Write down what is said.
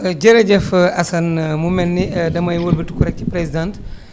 jërëjëf Assane mu mel ni damay wëlbatiku rek ci présidente